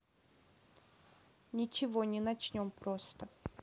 ничего не начнем просто